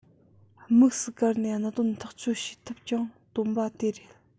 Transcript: དམིགས སུ བཀར ནས གནད དོན ཐག གཅོད བྱེད ཐབས ཀྱང བཏོན པ དེ རེད